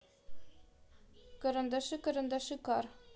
карандаши карандаши кар